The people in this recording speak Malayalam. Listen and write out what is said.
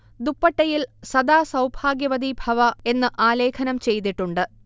ദുപ്പട്ടയിൽ സദാ സൗഭാഗ്യവതി ഭവഃ എന്ന് ആലേഖനം ചെയ്തിട്ടുണ്ട്